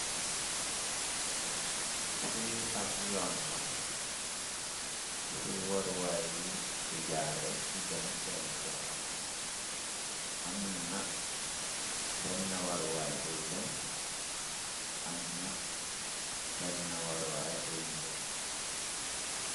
Fii ab yoon la fuy waruwaay yi di jaare di dem seeni soxla, am ben na waruwaay buy dem, am na ben na waruwaay buy njiw.